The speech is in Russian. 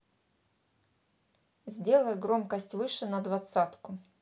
сделай громкость выше на двадцатку